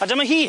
A dyma hi.